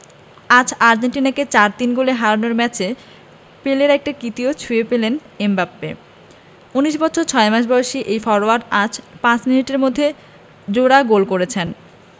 আজ আর্জেন্টিনাকে ৪ ৩ গোলে হারানোর ম্যাচে পেলের একটা কীর্তিও ছুঁয়ে ফেললেন এমবাপ্পে ১৯ বছর ৬ মাস বয়সী এই ফরোয়ার্ড আজ ৫ মিনিটের মধ্যে জোড়া গোল করেছেন